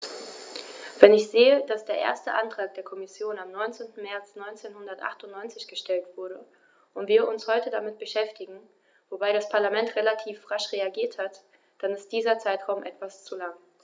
Wenn ich sehe, dass der erste Antrag der Kommission am 19. März 1998 gestellt wurde und wir uns heute damit beschäftigen - wobei das Parlament relativ rasch reagiert hat -, dann ist dieser Zeitraum etwas zu lang.